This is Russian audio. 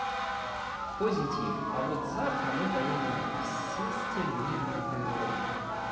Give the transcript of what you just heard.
а вот завтра мы поедем всесте мир на природу